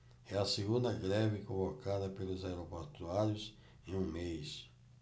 é a segunda greve convocada pelos aeroportuários em um mês